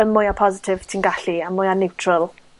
y mwyf positif ti'n gallu, a mwya niwtral.